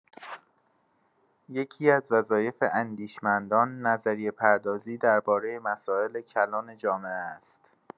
یکی‌از وظایف اندیشمندان، نظریه‌پردازی درباره مسائل کلان جامعه است.